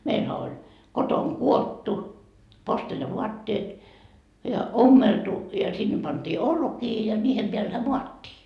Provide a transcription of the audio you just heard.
meillähän oli kotonakudottu posteljavaatteet ja ommeltu ja sinne pantiin olkia ja niiden päällähän maattiin